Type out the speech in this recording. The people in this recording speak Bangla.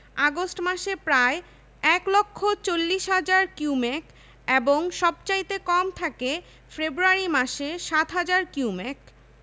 আগস্ট মাসে প্রায় এক লক্ষ চল্লিশ হাজার কিউমেক এবং সবচাইতে কম থাকে ফেব্রুয়ারি মাসে ৭হাজার কিউমেক